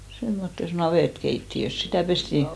semmoisessa navettakeittiössä sitä pestiin